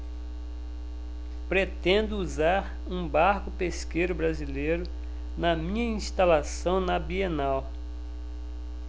pretendo usar um barco pesqueiro brasileiro na minha instalação na bienal